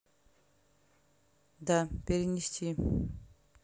да перенести